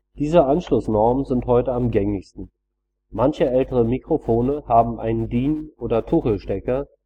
Diese Anschlussnormen sind heute am gängigsten. Manche ältere Mikrofone haben einen DIN - oder Tuchelstecker